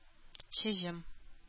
Чыжым